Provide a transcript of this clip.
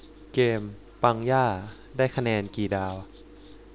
เกมปังย่าได้คะแนนกี่ดาว